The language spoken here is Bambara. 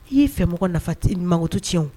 I'i fɛmɔgɔ nafa mankutu ti